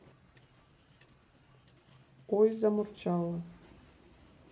ой замурчала